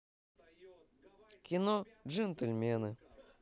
кино джентльмены